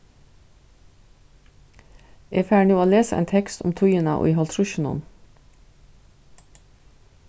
eg fari nú at lesa ein tekst um tíðina í hálvtrýssunum